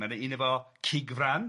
Ma' yna un efo Cigfran.